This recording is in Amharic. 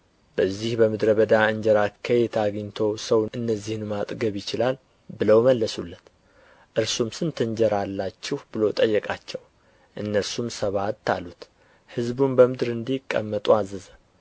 በዚህ በምድረ በዳ እንጀራ ከየት አግኝቶ ሰው እነዚህን ማጥገብ ይችላል ብለው መለሱለት እርሱም ስንት እንጀራ አላችሁ ብሎ ጠየቃቸው እነርሱም ሰባት አሉት ሕዝቡም በምድር እንዲቀመጡ አዘዘ